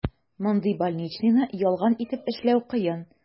Мондый больничныйны ялган итеп эшләү кыен.